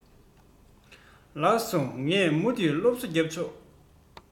ལགས སོ ངས མུ མཐུད སློབ གསོ རྒྱབ ཆོག